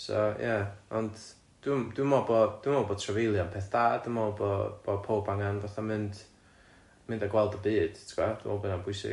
So ie ond dwi'm dwi'n meddwl bod dwi'n meddwl bod trafeilio'n peth da dwi'n meddwl bod bod pawb angen fatha mynd mynd a gweld y byd ti'bod dwi'n meddwl bod hynna'n bwysig.